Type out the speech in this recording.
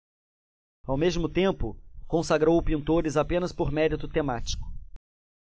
ao mesmo tempo consagrou pintores apenas por mérito temático